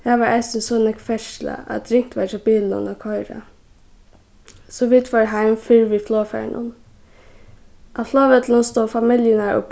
har var eisini so nógv ferðsla at ringt var hjá bilunum at koyra so vit fóru heim fyrr við flogfarinum á flogvøllinum stóðu familjurnar og